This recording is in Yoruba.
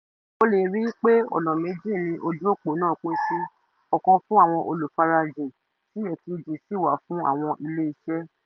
O lè ríi pé ọ̀nà méjì ni ojú òpó náà pín sí: ọ̀kan fún àwọn olùfarajìn tí èkejì sì wà fún àwọn ilé-iṣẹ́.